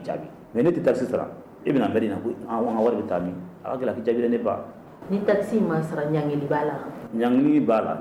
Mais n'i e tɛ taxes e bɛna maire ɲinika ko an ka wari bɛ taa min?A ka gɛlɛ a k'i jaabi dɛ ne ba! Ni taxe ma sara ɲankili b'ala? Ɲankili b'a la.